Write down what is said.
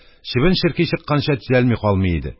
Чебен-черки чыкканча төзәлми калмый иде.